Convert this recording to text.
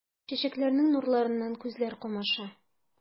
Чәчәкләрнең нурларыннан күзләр камаша.